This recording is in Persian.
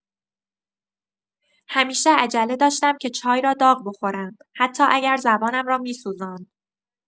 همیشه عجله داشتم که چای را داغ بخورم، حتی اگر زبانم را می‌سوزاند.